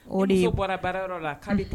O de ye muso bɔra baarayɔrɔ la k'a le te